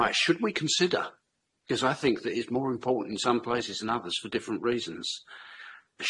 Right, should we consider 'cause I think that it's more important in some places than others for different reasons.